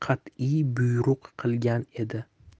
qat'iy bo'yruk qilgan edi